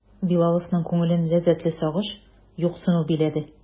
Билаловның күңелен ләззәтле сагыш, юксыну биләде.